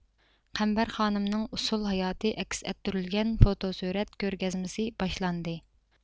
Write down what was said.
قەمبەرخانىمنىڭ ئۇسسۇل ھاياتىي ئەكس ئەتتۈرۈلگەن فوتو سۈرەت كۆرگەزمىسى باشلاندى